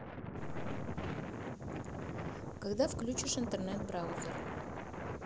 когда включишь интернет браузер